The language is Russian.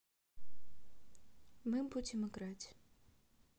мы будем играть